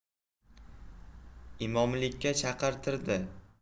imomlikka chaqirtirdi